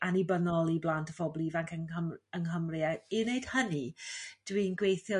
annibynnol i blant o phobl ifanc yng yng Nghymru i 'neud hynny dwi'n gweithio